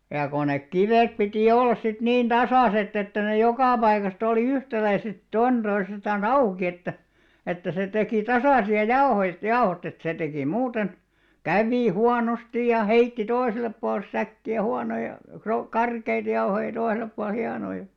ja kun ne kivet piti olla sitten niin tasaiset että ne joka paikasta oli yhtäläiset toinen toisestansa auki että että se teki tasaisia jauhoista jauhot että se teki muuten kävi huonosti ja heitti toiselle puolen säkkiä huonoja - karkeita jauhoja ja toiselle puolen hienoja